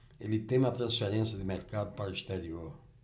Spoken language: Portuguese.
ele teme a transferência de mercado para o exterior